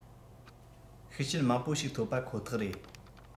ཤུགས རྐྱེན མང པོ ཞིག ཐོབ པ ཁོ ཐག རེད